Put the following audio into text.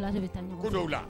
2 de bɛ taa ɲɔgɔn fɛ ko dɔw la